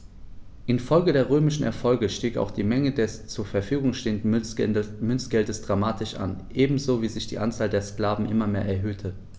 Infolge der römischen Erfolge stieg auch die Menge des zur Verfügung stehenden Münzgeldes dramatisch an, ebenso wie sich die Anzahl der Sklaven immer mehr erhöhte.